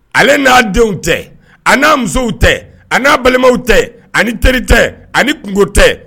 Ale n'a denw tɛ a n'a musow tɛ ani' balimaw tɛ ani teri tɛ ani kungo tɛ